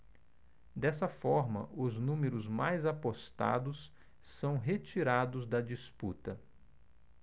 dessa forma os números mais apostados são retirados da disputa